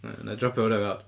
Iawn, wna i dropio hwna i fewn.